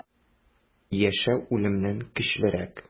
Яшәү үлемнән көчлерәк.